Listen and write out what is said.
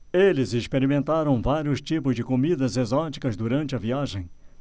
eles experimentaram vários tipos de comidas exóticas durante a viagem